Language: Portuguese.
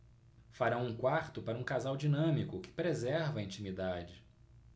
farão um quarto para um casal dinâmico que preserva a intimidade